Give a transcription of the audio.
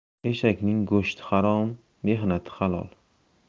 eshakning go'shti harom mehnati halol